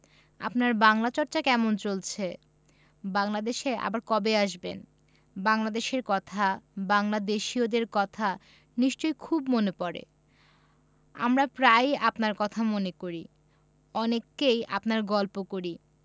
আপনার বাংলা চর্চা কেমন চলছে বাংলাদেশে আবার কবে আসবেন বাংলাদেশের কথা বাংলাদেশীদের কথা নিশ্চয় খুব মনে পরে আমরা প্রায়ই আপনারর কথা মনে করি অনেককেই আপনার গল্প করি